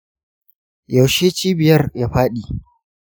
yaushe cibiyar ya fadi?